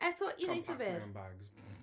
Eto, un eitha fyr... Can't pack my own bags.